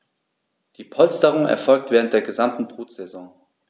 Diese Polsterung erfolgt während der gesamten Brutsaison.